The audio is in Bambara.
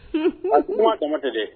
a kuma dama tɛ dɛ